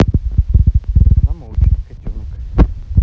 нам очень котенок